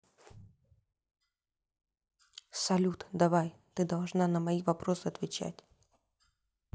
салют давай ты должна на мои вопросы отвечать